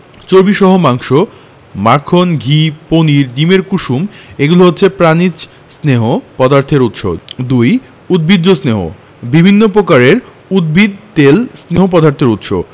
চর্বিসহ মাংস মাখন ঘি পনির ডিমের কুসুম এগুলো হচ্ছে প্রাণিজ স্নেহ পদার্থের উৎস ২. উদ্ভিজ্জ স্নেহ বিভিন্ন প্রকারের উদ্ভিজ তেল স্নেহ পদার্থের উৎস